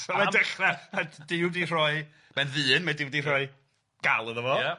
So mae'n dechra' Duw wedi rhoi mae'n ddyn, mae Duw wedi rhoi gal iddo fo... Ia